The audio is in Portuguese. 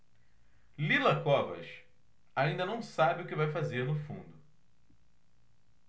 lila covas ainda não sabe o que vai fazer no fundo